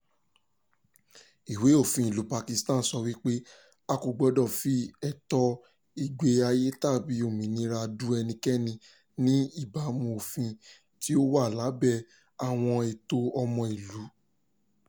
Ìwé òfin ìlú Pakistan sọ wípé "A kò gbọdọ̀ fi ẹ̀tọ́ ìgbé ayé tàbí òmìnira du ẹnikẹ́ni ní ìbámu òfin," tí ó wà lábẹ́ Àwọn Ẹ̀tọ́ ọmọ ìlú.